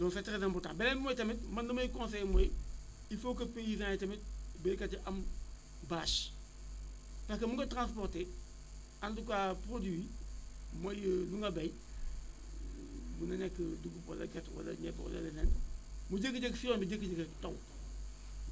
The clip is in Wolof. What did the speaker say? loolu c' très important beneen bi mooy tamit man li may conseillé mooy il faut que paysans yi tamit béykat yi am bâche parce que mën nga transporter en tout cas produit yi mooy li nga béy mën na nekk dugub wala gerte wala ñebe wala leneen mu jékki-jékki si yoon bi jékki-jékki taw